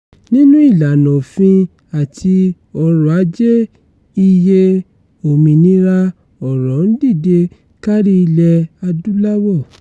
Nínú ìlànà òfin àti ọ̀rọ̀ Ajé, iye òmìnira ọ̀rọ̀ ń dìde kárí Ilẹ̀-Adúláwọ̀.